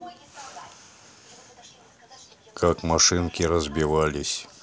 как машинки разбивались